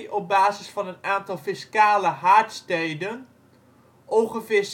op basis van aantal fiscale haardsteden) ongeveer